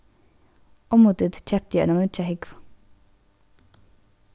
ommudidd keypti eina nýggja húgvu